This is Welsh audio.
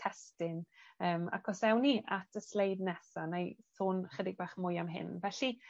testun yym ac os ewn ni at y sleid nesa nâi sôn chydig bach mwy am hyn, felly